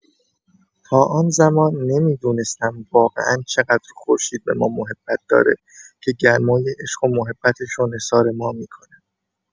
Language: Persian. تا آن‌زمان نمی‌دونستم واقعا چقدر خورشید به ما محبت داره که گرمای عشق و محبتش رو نثار ما می‌کنه.